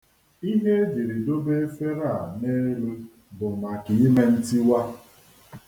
Ihe e jiri dobe efere a n'elu bụ maka ime ntiwa.